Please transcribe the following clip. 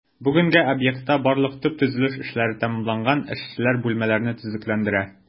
Бүгенгә объектта барлык төп төзелеш эшләре тәмамланган, эшчеләр бүлмәләрне төзекләндерә.